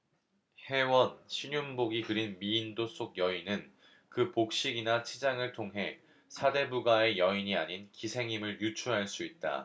혜원 신윤복이 그린 미인도 속 여인은 그 복식이나 치장을 통해 사대부가의 여인이 아닌 기생임을 유추할 수 있다